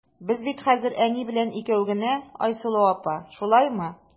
Без бит хәзер әни белән икәү генә, Айсылу апа, шулаймы?